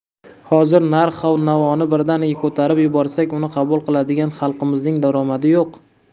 hozir narx navoni birdaniga ko'tarib yuborsak uni qabul qiladigan xalqimizning daromadi yo'q